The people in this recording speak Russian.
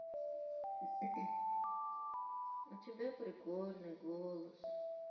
у тебя прикольный голос